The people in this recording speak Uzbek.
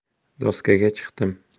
doskaga chiqdim